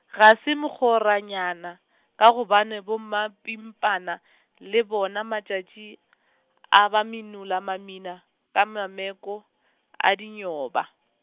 ga se mokhoranyana, ka gobane bomapimpana , le bona matšatši , a ba minola mamina, ka mameko, a dinyoba.